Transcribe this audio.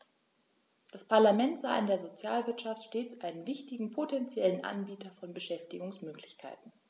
Das Parlament sah in der Sozialwirtschaft stets einen wichtigen potentiellen Anbieter von Beschäftigungsmöglichkeiten.